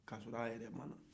k'a sɔrɔ a yɛrɛ ma na